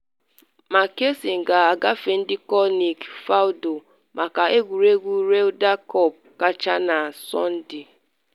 Mickelson ga-agafe ndekọ Nick Faldo maka egwuregwu Ryder Cup kacha na Sọnde.